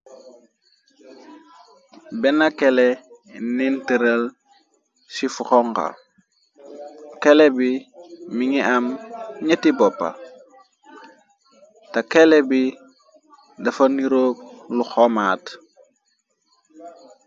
Benn kele ninterel chi fukonxa kele bi mi ngi am ñeti boppa te kele bi dafa niroo lu xomaat.